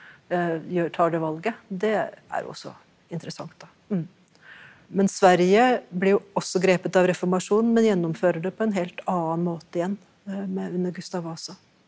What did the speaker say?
tar det valget det er også interessant da men Sverige blir jo også grepet av reformasjonen men gjennomfører det på en helt annen måte igjen under Gustav Vasa.